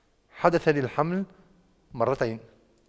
حدث لي الحمل مرتين